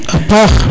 a paax